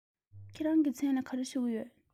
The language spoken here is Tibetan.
ཁྱེད རང གི མཚན ལ ག རེ ཞུ གི ཡོད